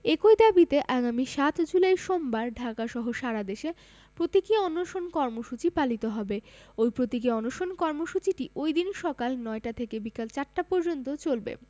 একই দাবিতে আগামী ৭ জুলাই সোমবার ঢাকাসহ সারাদেশে প্রতীকী অনশন কর্মসূচি পালিত হবে ওই প্রতীকী অনশন কর্মসূচিটি ওইদিন সকাল ৯টা থেকে বিকেল ৪টা পর্যন্ত চলবে